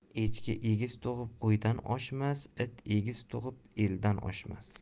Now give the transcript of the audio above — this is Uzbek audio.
echki egiz tug'ib qo'ydan oshmas it egiz tug'ib eldan oshmas